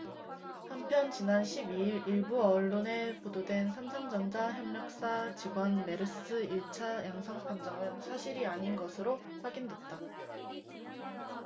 한편 지난 십 이 일 일부 언론에 보도된 삼성전자 협력사 직원 메르스 일 차 양성판정은 사실이 아닌 것으로 확인됐다